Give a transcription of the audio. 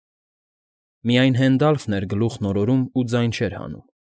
Միայն Հենդալֆն էր գլուխն օրորում ու ձայն չէր հանում։